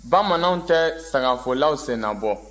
bamananw tɛ sangafolaw sennabɔ